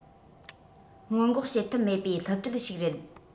སྔོན འགོག བྱེད ཐབས མེད པའི བསླུ བྲིད ཞིག རེད